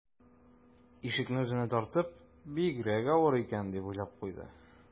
Ишекне үзенә тартып: «Бигрәк авыр икән...», - дип уйлап куйды